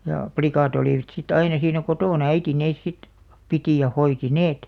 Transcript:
ja likat olivat sitten aina siinä kotona äiti ne sitten piti ja hoiti ne